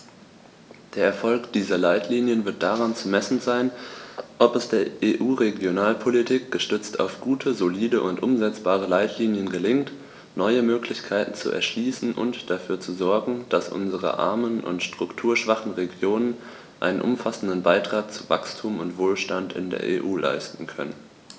Der Erfolg dieser Leitlinien wird daran zu messen sein, ob es der EU-Regionalpolitik, gestützt auf gute, solide und umsetzbare Leitlinien, gelingt, neue Möglichkeiten zu erschließen und dafür zu sorgen, dass unsere armen und strukturschwachen Regionen einen umfassenden Beitrag zu Wachstum und Wohlstand in der EU leisten können.